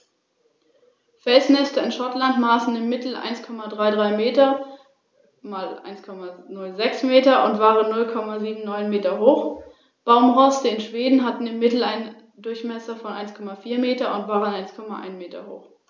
Einfacher zu betrachten ist die üppige Vegetation.